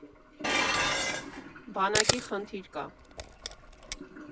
Բանակի խնդիր կա։